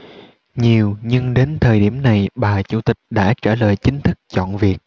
nhiều nhưng đến thời điểm này bà chủ tịch đã trả lời chính thức chọn việt